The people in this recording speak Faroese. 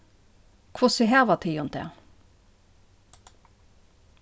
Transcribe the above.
hvussu hava tygum tað